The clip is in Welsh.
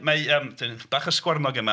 Mae yym bach o sgwarnog yma.